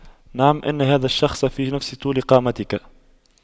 نعم ان هذا الشخص في نفس طول قامتك